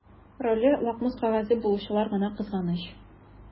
Роле лакмус кәгазе булучылар гына кызганыч.